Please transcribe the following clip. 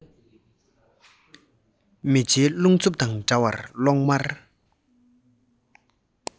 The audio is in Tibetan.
མེ ལྕེའི རླུང འཚུབ དང འདྲ བའི གློག དམར